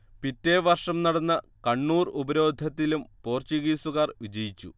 പിറ്റെ വർഷം നടന്ന കണ്ണൂർ ഉപരോധത്തിലും പോർച്ചുഗീസുകാർ വിജയിച്ചു